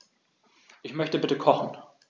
Ich möchte bitte kochen.